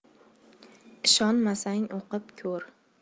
ishonmasang o'qib ko'r